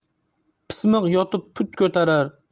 pismiq yotib put ko'tarar